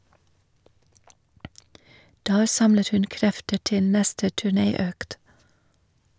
Der samlet hun krefter til neste turnéøkt.